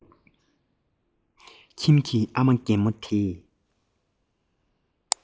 ཁྱིམ གྱི ཨ མ རྒན མོ དེས